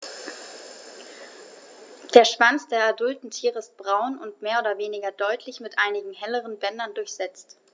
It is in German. Der Schwanz der adulten Tiere ist braun und mehr oder weniger deutlich mit einigen helleren Bändern durchsetzt.